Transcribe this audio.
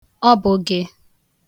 ọbụgị